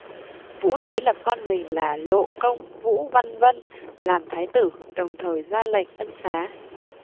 vũ đế lập con mình là lộ công vũ văn vân làm thái tử đồng thời ra lệnh ân xá